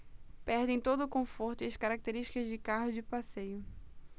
perdem todo o conforto e as características de carro de passeio